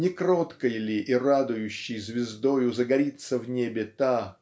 не кроткой ли и радующей звездою загорится в небе та